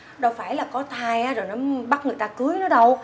đâu phải là có thai á rồi bắt người ta cưới nó đâu